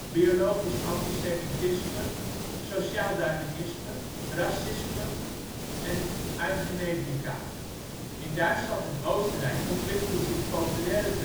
biologisch antisemitisme, sociaaldarwinisme, racisme, eugenetica. In Duitsland en Oostenrijk ontwikkelden zich populaire